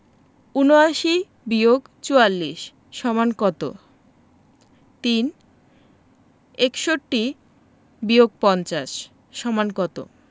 ৭৯-৪৪ = কত ৩ ৬১-৫০ = কত